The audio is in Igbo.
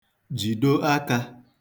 jido akā